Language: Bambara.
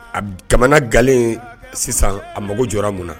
A jamana ga sisan a mago jɔ munna na